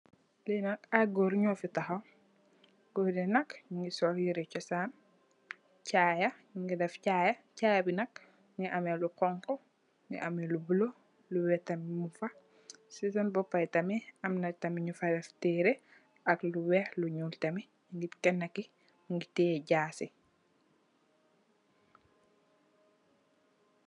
Lenak ayy gorr nyofi taxaw gorryi nak nyingi sol yireh chosan Chaya nyingi deff Chaya chayabi nak mungi ameh lu xonxu mungi ameh lu bula lu wekh tamit mungfa sisen bopa yi tamit amna nyufa deff terre ak lu wekh lu nyul tamit kenakii mungi tiyeh jassi.